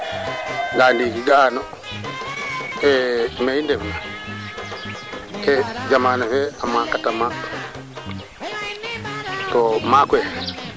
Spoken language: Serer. xa andoi ke ref na ten waro waago utiliser xar waro waago saq pour waago figoox o qolof bata xool bo ande roog fe bete ngaango refka te kaana fiyan probleme xar fo xar tena refu